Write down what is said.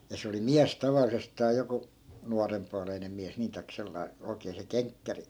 ja se oli mies tavallisestaan joku nuorenpuoleinen mies niin tai sellainen oikein se kenkkäri